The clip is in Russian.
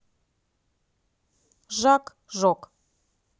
жак жок